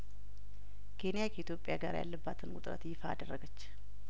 ኬንያ ከኢትዮጵያ ጋር ያለባትን ውጥረት ይፋ አደረገች